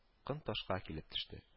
Кын ташка килеп төоште